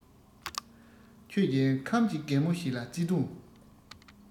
ཁྱོད ཀྱིས ཁམས ཀྱི རྒན མོ ཞིག ལ བརྩེ དུང